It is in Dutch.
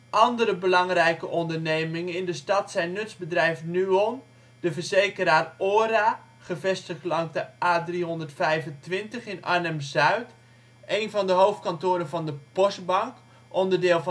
Andere belangrijke ondernemingen in de stad zijn nutsbedrijf NUON, de verzekeraar OHRA, gevestigd langs de A-325 in Arnhem-Zuid, een van de hoofdkantoren van de Postbank (onderdeel